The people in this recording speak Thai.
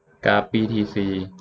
กราฟบีทีซี